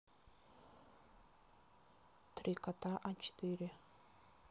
три кота а четыре